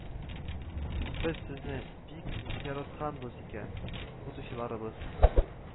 Без Сезне бик яратканбыз икән, Укытучыларыбыз